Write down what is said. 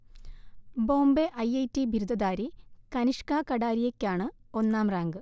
Bombay I I T ബിരുദധാരി കനിഷ്ക കഠാരിയയ്ക്കാണ് ഒന്നാം റാങ്ക്